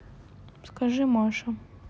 скажи маша